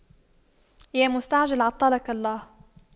يا مستعجل عطلك الله